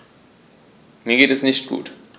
Mir geht es nicht gut.